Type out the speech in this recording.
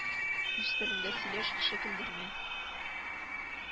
Үз телеңдә сөйләш, кеше көлдермә